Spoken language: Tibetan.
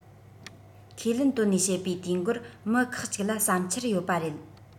ཁས ལེན བཏོན ནས བྱེད པའི དུས འགོར མི ཁག གཅིག ལ བསམ འཆར ཡོད པ རེད